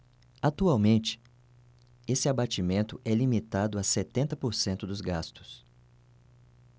atualmente esse abatimento é limitado a setenta por cento dos gastos